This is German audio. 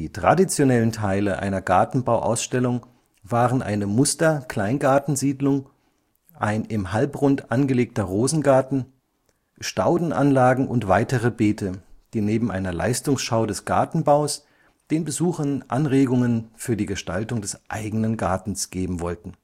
traditionellen Teile einer Gartenbauausstellung waren eine Muster-Kleingartensiedlung, ein im Halbrund angelegter Rosengarten, Staudenanlagen und weitere Beete, die neben einer Leistungsschau des Gartenbaus den Besuchern Anregungen für die Gestaltung des eigenen Gartens geben wollten